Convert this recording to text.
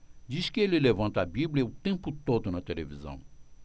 diz que ele levanta a bíblia o tempo todo na televisão